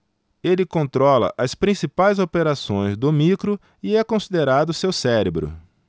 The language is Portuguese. ele controla as principais operações do micro e é considerado seu cérebro